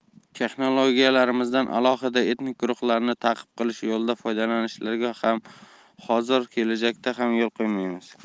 texnologiyalarimizdan alohida etnik guruhlarni ta'qib qilish yo'lida foydalanishlariga hozir ham kelajakda ham yo'l qo'ymaymiz